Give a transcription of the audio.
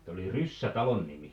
että oli Ryssä talon nimi